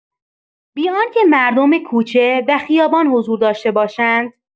بی‌آنکه مردم کوچه و خیابان حضور داشته باشند